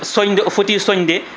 cooñde o foti cooñde